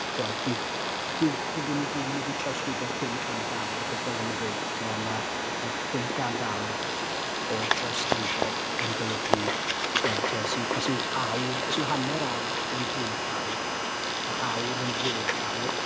Tibod bydd bydd... byddwn ni ddim wedi trawsgrifo pum cant awr achos fel o'n ni'n gweud timod ma' ma' pump cant awr o drawsgrifo yn golygu wel tibod os yw os yw awr... os yw hanner awr yn pump awr ma' awr yn ddeg awr